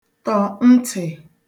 tọ̀ ntị̀